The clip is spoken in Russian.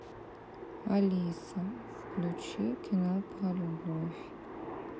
алиса включи кино про любовь